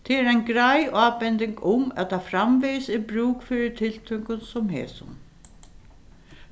tað er ein greið ábending um at tað framvegis er brúk fyri tiltøkum sum hesum